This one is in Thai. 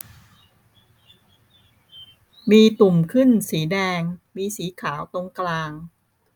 มีตุ่มขึ้นสีแดงมีสีขาวตรงกลาง